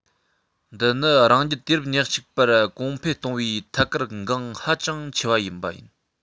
འདི ནི རང རྒྱལ དུས རབས ཉེར གཅིག པར གོང འཕེལ གཏོང བའི ཐད གལ འགངས ཧ ཅང ཆེ བ ཞིག ཡིན